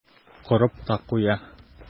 Корып та куя.